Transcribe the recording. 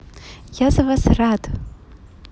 я за вас рад